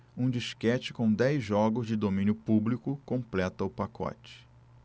um disquete com dez jogos de domínio público completa o pacote